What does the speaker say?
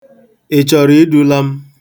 Ị chọrọ idula m?